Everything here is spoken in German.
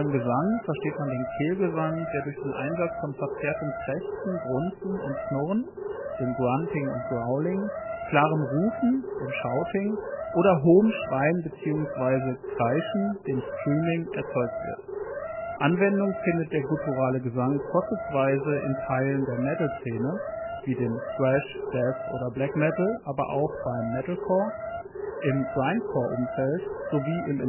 Gesang versteht man den Kehlgesang, der durch den Einsatz von verzerrtem Krächzen, Grunzen und Knurren („ Grunting “und „ Growling “), klarem Rufen („ Shouting “) oder hohem Schreien bzw. Kreischen („ Screaming “) erzeugt wird. Anwendung findet der gutturale Gesang vorzugsweise in Teilen der Metal-Szene (Thrash -, Death - oder Black Metal, aber auch beim Metalcore), im Grindcore-Umfeld, sowie im